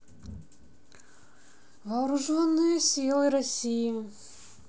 вооруженные силы россии